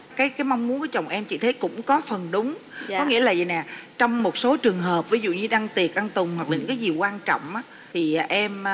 cái cái mong muốn của chồng em chị thấy cũng có phần đúng có nghĩa là vậy nè trong một số trường hợp ví dụ như đăng tiệc đăng tùng hoặc là những cái gì quan trọng á thì em